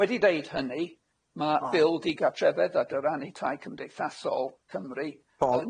Wedi deud hynny ma' bil digartrefedd a dyrannu tai cymdeithasol Cymru...